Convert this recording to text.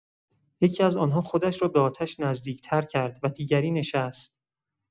یکی‌از آن‌ها خودش را به آتش نزدیک‌تر کرد و دیگری نشست.